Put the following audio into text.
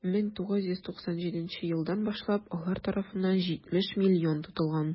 1997 елдан башлап алар тарафыннан 70 млн тотылган.